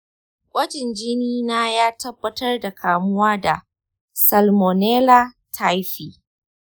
gwajin jini na ya tabbatar da kamuwa da salmonella typhi.